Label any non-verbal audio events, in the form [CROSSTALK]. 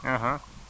[HESITATION] [HESITATION]